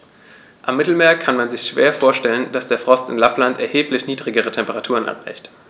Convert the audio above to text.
Am Mittelmeer kann man sich schwer vorstellen, dass der Frost in Lappland erheblich niedrigere Temperaturen erreicht.